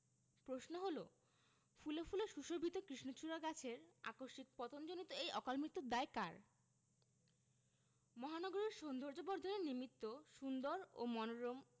প্রশ্ন হলো ফুলে ফুলে সুশোভিত কৃষ্ণচূড়া গাছের আকস্মিক পতনজনিত এই অকালমৃত্যুর দায় কার মহানগরীর সৌন্দর্যবর্ধনের নিমিত্ত সুন্দর ও মনোরম